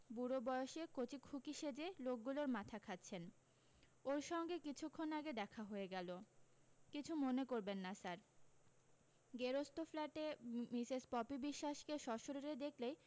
বুড়ো বয়েসে কচি খুকি সেজে লোকগুলোর মাথা খাচ্ছেন ওর সঙ্গে কিছুক্ষণ আগে দেখা হয়ে গেলো কিছু মনে করবেন না স্যার গেরস্ত ফ্ল্যাটে মিসেস পপি বিশ্বাসকে সশরীরে দেখলেই